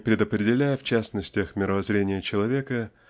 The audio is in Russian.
не предопределяя в частностях мировоззрения человека